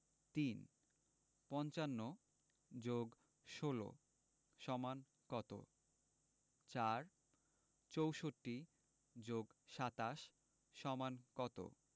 ৩ ৫৫ + ১৬ = কত ৪ ৬৪ + ২৭ = কত